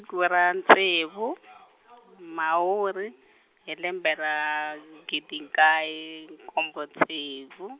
-iku ra ntsevu, Mhawuri hi lembe ra, gidi nkaye, nkombo ntsevu.